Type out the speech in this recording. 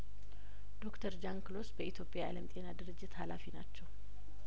ዶክተር ጃን ክሎስ በኢትዮጵያ የአለም ጤና ድርጅት ሀላፊናቸው